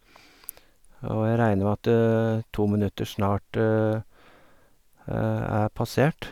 Og jeg regner med at to minutter snart er passert.